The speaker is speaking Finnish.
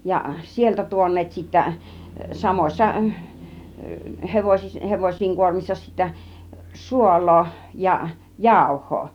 ja sieltä tuoneet sitten samoissa - hevosien kuormissa sitten suolaa ja jauhoa